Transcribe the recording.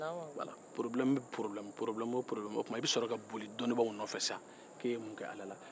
porobilɛmu ni porobilɛmu o tuma i bɛ sɔrɔ ka boli dɔnnibaaw nɔfɛ k'i ye mun kɛ ala la